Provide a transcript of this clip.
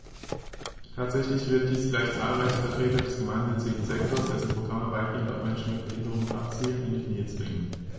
Tatsächlich wird dies gleich zahlreiche Vertreter des gemeinnützigen Sektors - dessen Programme weitgehend auf Menschen mit Behinderung abzielen - in die Knie zwingen.